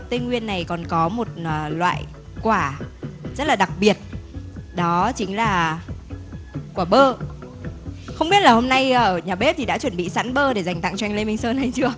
tây nguyên này còn có một là loại quả rất là đặc biệt đó chính là quả bơ không biết là hôm nay ở nhà bếp thì đã chuẩn bị sẵn bơ để dành tặng cho anh lê minh sơn hay chưa